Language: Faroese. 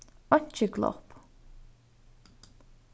einki glopp